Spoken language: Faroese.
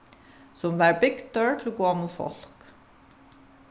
sum varð bygdur til gomul fólk